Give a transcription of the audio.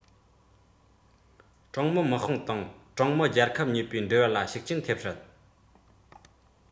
ཀྲུང མི དམག དཔུང དང ཀྲུང མི རྒྱལ ཁབ གཉིས པོའི འབྲེལ བ ལ ཤུགས རྐྱེན ཐེབས སྲིད